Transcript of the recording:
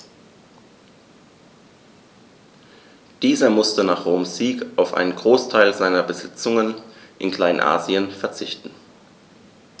Dieser musste nach Roms Sieg auf einen Großteil seiner Besitzungen in Kleinasien verzichten.